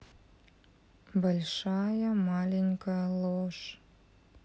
большая маленькая ложь